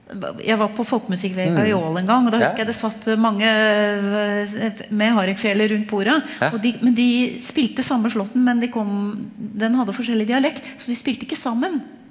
jeg var på Folkemusikkveka i Ål en gang og da husker jeg det satt mange med hardingfele rundt bordet, og de men de spilte samme slåtten men de kom den hadde forskjellig dialekt så de spilte ikke sammen.